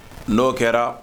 O kɛra